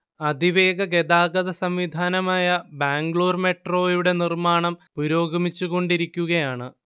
അതിവേഗ ഗതാഗത സംവിധാനമായ ബാംഗ്ലൂർ മെട്രോയുടെ നിർമ്മാണം പുരോഗമിച്ചു കൊണ്ടിരിക്കുകയാണ്